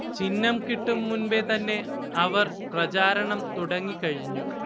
ചിഹ്നം കിട്ടും മുൻപേ തന്നെ അവർ പ്രചാരണം തുടങ്ങിക്കഴിഞ്ഞു